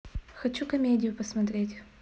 хочу комедию посмотреть